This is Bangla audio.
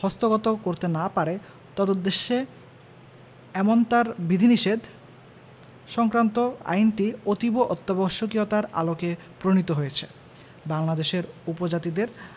হস্তগত করতে না পারে তদুদ্দেশ্যে এমনতার বিধিনিষেধ সংক্রান্ত আইনটি অতীব অত্যাবশ্যকীয়তার আলোকে প্রণীত হয়েছে বাংলাদেশের উপজাতিদের